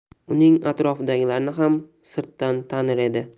uning atrofidagilarni xam sirtdan tanir edi